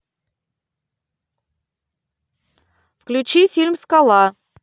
включи фильм скала